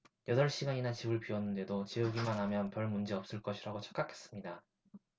여덟 시간이나 집을 비웠는데도 재우기만하면 별문제 없을 것이라고 착각했습니다